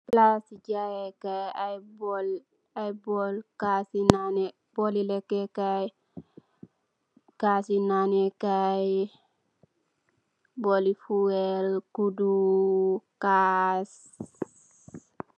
Palasi jangèè kai ay bóólli lekkeh kai, kassi naneh kai, bóólli fuwel, kudu ak kass.